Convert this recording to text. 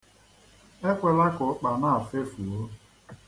Ekwela ka ụkpana a fefuo.